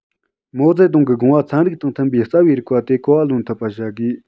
མའོ ཙེ ཏུང གི དགོངས པ ཚན རིག དང མཐུན པའི རྩ བའི རིགས པ དེ གོ བ ལོན ཐུབ པ བྱ དགོས